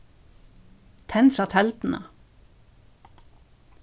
tendra telduna